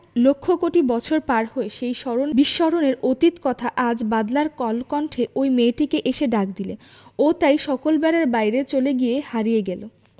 লক্ষ কোটি বছর পার হয়ে সেই স্মরণ বিস্মরণের অতীত কথা আজ বাদলার কলকণ্ঠে ঐ মেয়েটিকে এসে ডাক দিলে ও তাই সকল বেড়ার বাইরে চলে গিয়ে হারিয়ে গেল